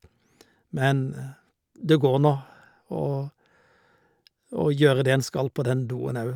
Men det går nå å å gjøre det en skal, på den doen òg.